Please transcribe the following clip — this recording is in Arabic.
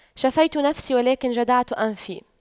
شفيت نفسي ولكن جدعت أنفي